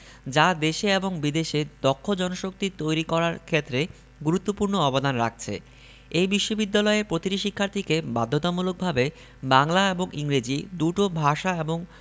যা দেশে এবং বিদেশে দক্ষ জনশক্তি তৈরি করার ক্ষেত্রে গুরুত্বপূর্ণ অবদান রাখছে এই বিশ্ববিদ্যালয়ে প্রতিটি শিক্ষার্থীকে বাধ্যতামূলকভাবে বাংলা এবং ইংরেজি দুটো ভাষা এবং